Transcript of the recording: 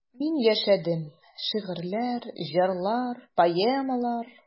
Мин яшәдем: шигырьләр, җырлар, поэмалар.